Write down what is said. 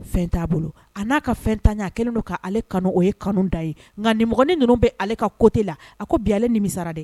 Fɛn t'a bolo. A na ka fɛntanya a kɛlen don ka ale kanu o ye kanu dan ye . Nga nimɔgɔnin nunu be ale ka cote la . A ko bi ale nimisara dɛ.